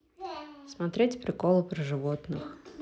смотреть приколы про животных